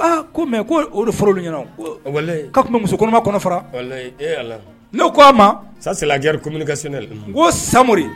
aa ko mɛ o de furu ɲɛna' tun muso kɔnɔma kɔnɔ fara ne' ko a ma sajɛri ko sɛnɛ ko samori